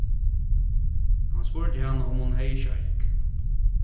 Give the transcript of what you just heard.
hann spurdi hana um hon hevði sjeik